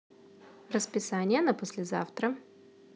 расписание на послезавтра